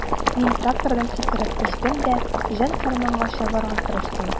Мин трактордан сикереп төштем дә җан-фәрманга чабарга керештем.